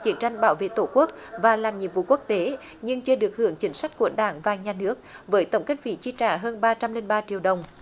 chiến tranh bảo vệ tổ quốc và làm nhiệm vụ quốc tế nhưng chưa được hưởng chính sách của đảng và nhà nước với tổng kinh phí chi trả hơn ba trăm linh ba triệu đồng